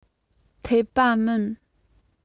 འཐད པ མིན